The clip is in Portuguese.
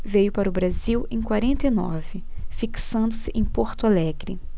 veio para o brasil em quarenta e nove fixando-se em porto alegre